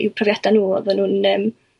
i'w profiada' n'w odda n'w yn yym